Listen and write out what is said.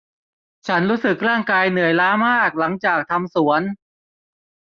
ฉันรู้สึกร่างกายเหนื่อยล้ามากหลังจากทำสวน